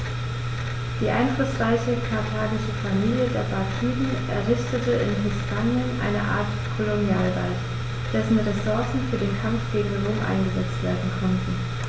Die einflussreiche karthagische Familie der Barkiden errichtete in Hispanien eine Art Kolonialreich, dessen Ressourcen für den Kampf gegen Rom eingesetzt werden konnten.